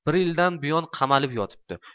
bir yildan buyon qamalib yotibdi